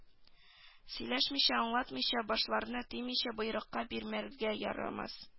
Сөйләшмичә аңлатмыйча башларына төймичә боерыкка бирергә ярамас